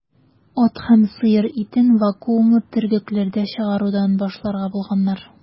Ат һәм сыер итен вакуумлы төргәкләрдә чыгарудан башларга булганнар.